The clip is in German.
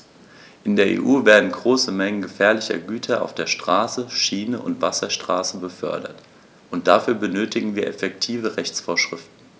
In der EU werden große Mengen gefährlicher Güter auf der Straße, Schiene und Wasserstraße befördert, und dafür benötigen wir effektive Rechtsvorschriften.